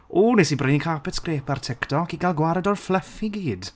O wnes i brynu carpet scraper ar TikTok i gael gwared o'r fflwff i gyd.